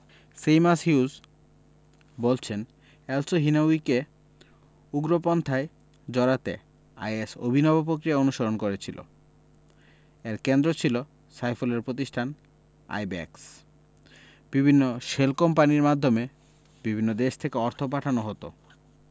Seamus Hughes বলছেন এলসহিনাউয়িকে উগ্রপন্থায় জড়াতে আইএস অভিনব পক্রিয়া অনুসরণ করেছিল এর কেন্দ্র ছিল সাইফুলের প্রতিষ্ঠান আইব্যাকস বিভিন্ন শেল কোম্পানির মাধ্যমে বিভিন্ন দেশ থেকে অর্থ পাঠানো হতো